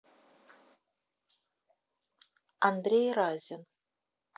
андрей разин